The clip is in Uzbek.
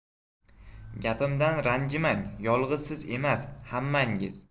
gapimdan ranjimang yolg'iz siz emas hammangiz